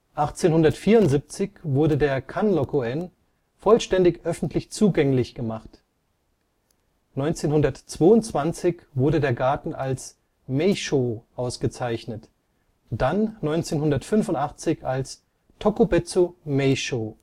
1874 wurde der Kanroku-en vollständig öffentlich zugänglich gemacht. 1922 wurde der Garten als " meishō " ausgezeichnet, dann 1985 als " tokubetsu meishō